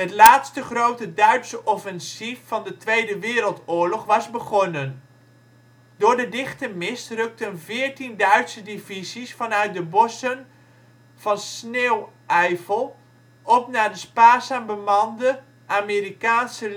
laatste grote Duitse offensief van de Tweede Wereldoorlog was begonnen. Door de dichte mist rukten veertien Duitse divisies vanuit de bossen van de Sneeuweifel op naar de spaarzaam bemande Amerikaanse